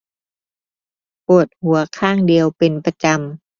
ปวดหัวข้างเดียวเป็นประจำ